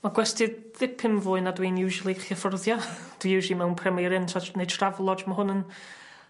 Ma' gwesty ddipyn fwy na dwi'n usually gellu hyfforddio dwi usually mewn Premier Inn Tra- Neu Travelodge ma' hwn yn